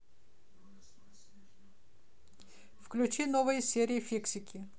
включи новые серии фиксики